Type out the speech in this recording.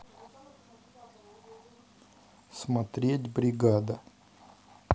смотреть бригада